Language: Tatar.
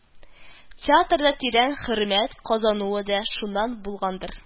Театрда тирән хөрмәт казануы да шуннан булгандыр